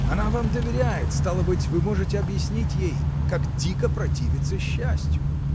— Она вам доверяет, стало быть, вы можете объяснить ей, как дико противиться счастью.